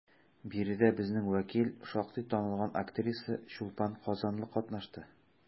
Биредә безнең вәкил, шактый танылган актриса Чулпан Казанлы катнашты.